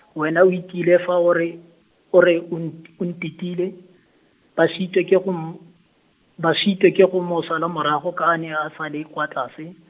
wena o itiile fa o re, o re, o nt- o ntetile, ba sitwe ke go m-, ba sitwe ke go mo sala morago ka a ne a sa le kwa tlase.